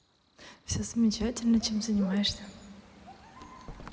все замечательно чем занимаешься